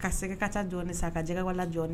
Ka sɛgɛ ka taa dɔɔnin sa ka jɛgɛgɛ walalan dɔɔninɔni